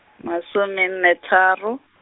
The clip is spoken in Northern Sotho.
masome nne tharo.